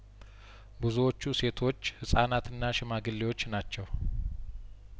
ብዙዎች ሴቶች ህጻናትና ሽማግሌዎች ናቸው